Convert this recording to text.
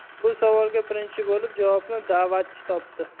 bu savolga birinchi bo'lib javobni da'vatchi topdi